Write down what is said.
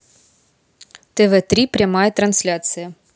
тв три прямая трансляция